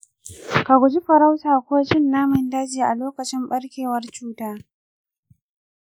ka guji farauta ko cin naman daji a lokacin barkewar cutar.